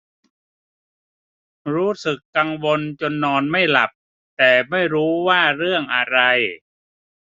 รู้สึกกังวลจนนอนไม่หลับแต่ไม่รู้ว่าเรื่องอะไร